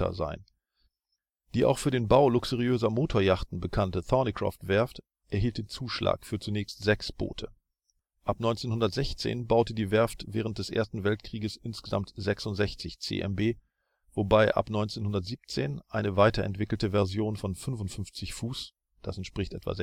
sein. Die auch für den Bau luxuriöser Motoryachten bekannte Thornycroft-Werft erhielt den Zuschlag für zunächst sechs Boote. Ab 1916 baute die Werft während des Ersten Weltkrieges insgesamt 66 CMB, wobei ab 1917 eine weiterentwickelte Version von 55 ft